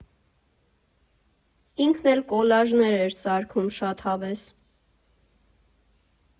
Ինքն էլ կոլաժներ էր սարքում շատ հավես։